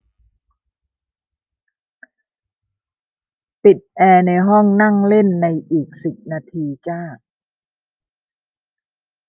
ปิดแอร์ในห้องนั่งเล่นในอีกสิบนาทีจ้า